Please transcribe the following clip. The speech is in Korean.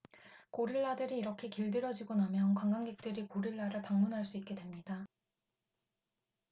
고릴라들이 이렇게 길들여지고 나면 관광객들이 고릴라를 방문할 수 있게 됩니다